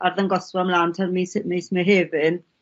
arddangosfa mlan tan mis mis Mehefin